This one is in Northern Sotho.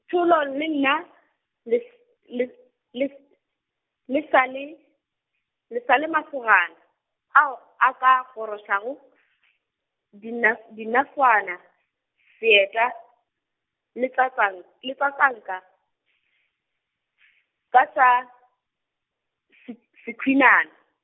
Tholo lena, le s- le s- le s-, le sa le, le sa le masogana ao a ka gorošago , dinas- dinaswana, seeta, le tsatsan-, le tsatsanka , ka sa, s- sekhwinana.